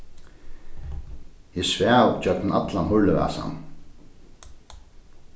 eg svav ígjøgnum allan hurlivasan